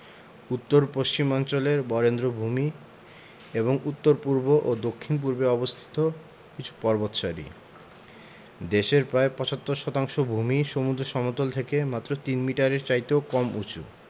উত্তর পশ্চিমাঞ্চলের বরেন্দ্রভূমি এবং উত্তর পূর্ব ও দক্ষিণ পূর্বে অবস্থিত কিছু পর্বতসারি দেশের প্রায় ৭৫ শতাংশ ভূমিই সমুদ্র সমতল থেকে মাত্র তিন মিটারের চাইতেও কম উঁচু